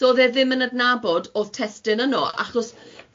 So o'dd e ddim yn adnabod o'dd testyn yno, achos